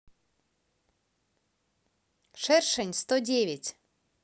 шершень сто девять